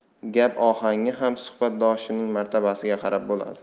gap ohangi ham suhbatdoshining martabasiga qarab bo'ladi